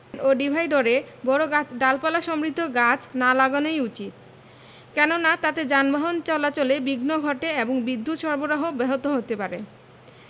ও ডিভাইডরে বড় ডালপালাসমৃদ্ধ গাছ না লাগানোই উচিত কেননা তাতে যানবাহন চলাচলে বিঘ্ন ঘটে এবং বিদ্যুত সরবরাহ ব্যাহত হতে পারে